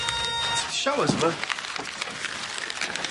Showers 'na.